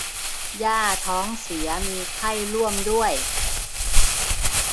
ย่าท้องเสียมีไข้ร่วมด้วย